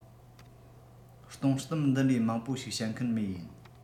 སྟོང གཏམ འདི འདྲའི མང པོ ཞིག བཤད མཁན མེད ཡིན